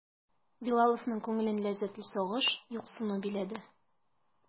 Билаловның күңелен ләззәтле сагыш, юксыну биләде.